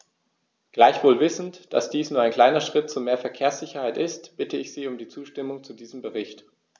Gleichwohl wissend, dass dies nur ein kleiner Schritt zu mehr Verkehrssicherheit ist, bitte ich Sie um die Zustimmung zu diesem Bericht.